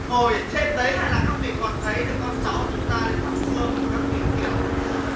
ngồi trên đấy hay là các vị còn ấy thì con cháu của chúng ta nên thắp hương các vị kiểu sịt